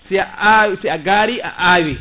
si a aw si a gaari a awi